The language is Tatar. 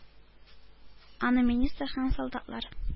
Аны министр һәм солдатлар.